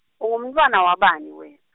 ungumntfwana wabani wen-?